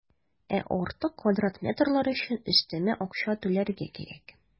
Ә артык квадрат метрлар өчен өстәмә акча түләргә кирәк.